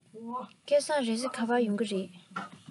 སྐལ བཟང རེས གཟའ ག པར ཡོང གི རེད